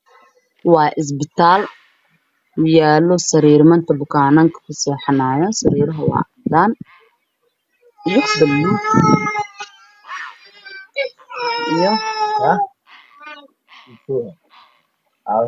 Waa isbitaal yaallo sariirmanka bukaannada ku seexdaan sariiraha waa caddaan iyo buluug